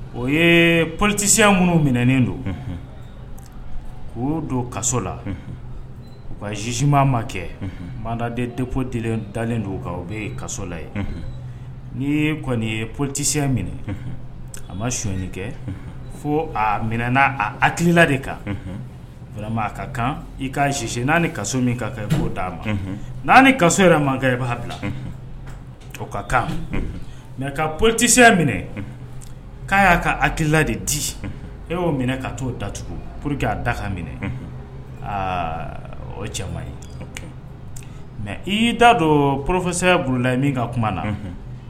O ye politisiyɛn minnu minɛen don o'o don kaso la ka zimaa ma kɛ mandadenp dalen don kan u bɛ kasola ye ni kɔni ye politisiyɛnya minɛ a ma son kɛ fo a minɛ a hakilikila de kan a ka kan i kase n'a ni ka min kan ka' a ma n' ni ka yɛrɛ manka bila o ka kan mɛ ka polisiyɛn minɛ'a y'a ka hakilikila de di e y'o minɛ ka'o datugu pour que'a dakan minɛ aa o cɛ ye mɛ i t'a don porofakisɛya bla min ka kuma na